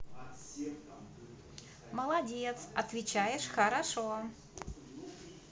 молодец отвечаешь хорошо